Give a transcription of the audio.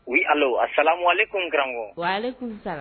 U ala a salen kun garankɔ